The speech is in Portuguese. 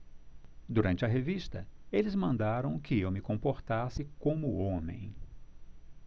durante a revista eles mandaram que eu me comportasse como homem